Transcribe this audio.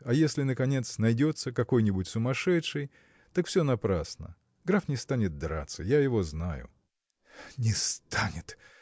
а если наконец найдется какой-нибудь сумасшедший так все напрасно граф не станет драться я его знаю. – Не станет!